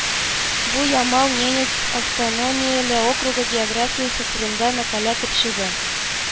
Бу Ямал-Ненец автономияле округы географиясе турында мәкалә төпчеге